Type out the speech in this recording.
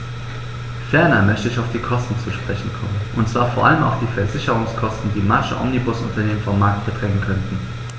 Ferner möchte ich auf die Kosten zu sprechen kommen, und zwar vor allem auf die Versicherungskosten, die manche Omnibusunternehmen vom Markt verdrängen könnten.